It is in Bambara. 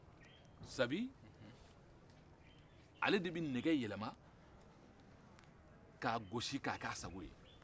sadi ale de bɛ nɛgɛ yɛlɛma k'a gosi ka k'a sago ye